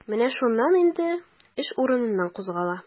Менә шуннан инде эш урыныннан кузгала.